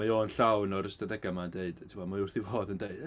Mae o'n llawn o'r ystadegau 'ma yn deud, tibod, mae o wrth ei fodd yn deud...